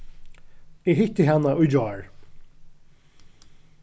eg hitti hana í gjár